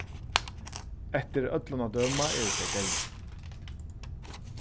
eftir øllum at døma eru tey deyð